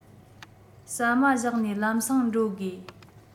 ཟ མ བཞག ནས ལམ སེང འགྲོ དགོས